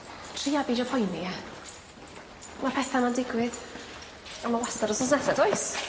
Tria beidio poeni, ma' petha 'ma'n digwydd. A ma' wastad wsnos nesa does?